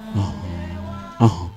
H hɔn